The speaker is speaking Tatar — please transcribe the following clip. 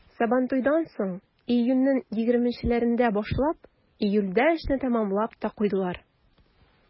Сабантуйдан соң, июньнең 20-ләрендә башлап, июльдә эшне тәмамлап та куйдылар.